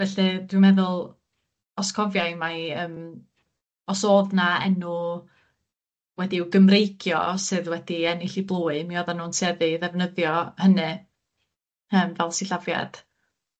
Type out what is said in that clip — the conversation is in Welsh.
Felly dwi'n meddwl, os cofiai mai yym os o'dd 'na enw wedi i'w Gymreigio sydd wedi ennill i blwy, mi oddan nw'n tueddu i ddefnyddio hynny yym fel sillafiad.